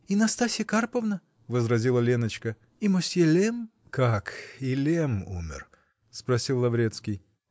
-- И Настасья Карповна, -- возразила Леночка, -- и мосье Лемм. -- Как? и Лемм умер? -- спросил Лаврецкий.